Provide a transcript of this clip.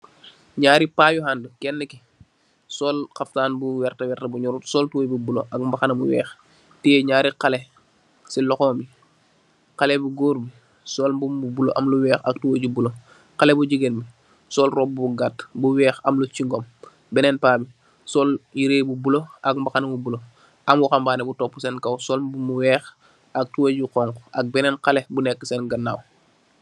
Naari pa yu anda kena ki sol xaftan bu wertax wertax bu nyorot sol tubai bu buluak mbaxana bu weex tiye naari xale si loxomi xale bu goor bi sol mbubu bu bulu am lu weex ak tubai bu bulu xale bu jigeen bi sol roba bu gata bu weex am lu sxingum bene pa bi sol yere bu bulu ak mbaxana bu bulu am waxabane bu tog sen kaw sol mbubu bu weex ak tubai bu xonxa ak benen xale bu neka sen ganaw.